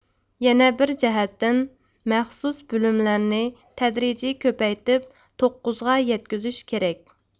يەنە بىر جەھەتتىن مەخسۇس بۆلۈملەرنى تەدرىجىي كۆپەيتىپ توققۇزغا يەتكۈزۈش كېرەك